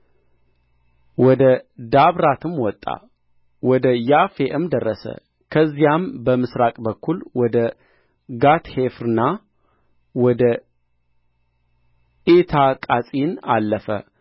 ወደ ዳብራትም ወጣ ወደ ያፊዓም ደረሰ ከዚያም በምሥራቅ በኩል ወደ ጋትሔፍርና ወደ ዒታቃጺን አለፈ